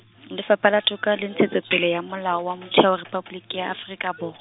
Lefapha la Toka le Ntshetsopele ya Molao wa Motheo Rephaboliki ya Afrika Bor-.